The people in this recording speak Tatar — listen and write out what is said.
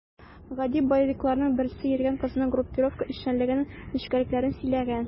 Гади боевикларның берсе йөргән кызына группировка эшчәнлегенең нечкәлекләрен сөйләгән.